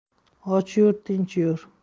och yur tinch yur